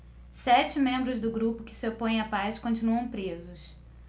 sete membros do grupo que se opõe à paz continuam presos